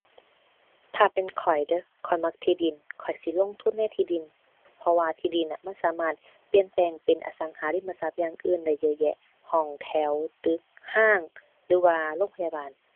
ถ้าเป็นข้อยเด้อ ข้อยมักที่ดิน ข้อยสิลงทุนในที่ดิน เพราะว่าที่ดินน่ะมันสามารถเปลี่ยนแปลงเป็นอสังหาริมทรัพย์อย่างอื่นได้เยอะแยะ ห้องแถว ตึก ห้าง หรือว่าโรงพยาบาล